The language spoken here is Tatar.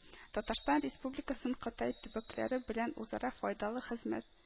Татарстан Республикасын Кытай төбәкләре белән үзара файдалы хезмәт